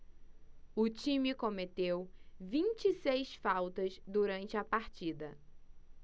o time cometeu vinte e seis faltas durante a partida